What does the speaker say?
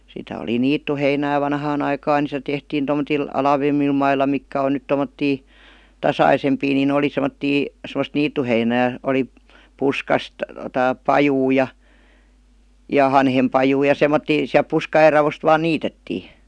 sitä oli niittyheinää vanhaan aikaan niin se tehtiin tuommoisilla alavammilla mailla mitkä on nyt tuommoisia tasaisempia niin ne oli semmoisia semmoista niittyheinää oli puskasta tai pajua ja ja hanhenpajua ja semmoisia sieltä puskien raosta vain niitettiin